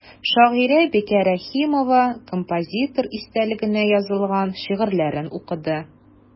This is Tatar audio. Шагыйрә Бикә Рәхимова композитор истәлегенә язылган шигырьләрен укыды.